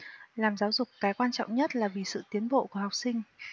làm giáo dục cái quan trọng nhất là vì sự tiến bộ của học sinh